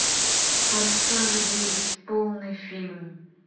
форсаж девять полный фильм